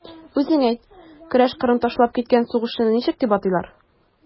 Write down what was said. Үзең әйт, көрәш кырын ташлап киткән сугышчыны ничек дип атыйлар?